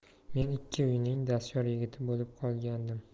men ikki uyning dastyor yigiti bo'lib qolgandim